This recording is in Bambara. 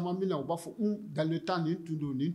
Tuma min na u b'a fɔ nkalonle tan nin tun